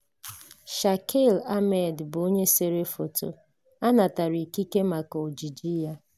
Shakil Ahmed bụ onye sere foto, a natara ikike maka ojiji ya.